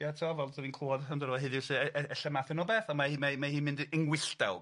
Ia t'wel fel 'dyn ni'n clywed amdano fo heddiw 'lly e- ella ma' hyn o beth ond mae 'i mae 'i mae hi'n mynd yn wylltawg.